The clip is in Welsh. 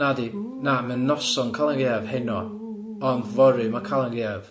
Na 'di, na ma'n noson Calan Gaeaf heno ond fory ma' Calan Gaeaf.